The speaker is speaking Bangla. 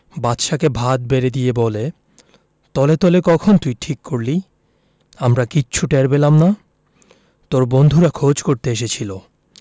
বাদশাকে ভাত বেড়ে দিয়ে বলে তলে তলে কখন তুই ঠিক করলি আমরা কিচ্ছু টের পেলাম না তোর বন্ধুরা খোঁজ করতে এসেছিলো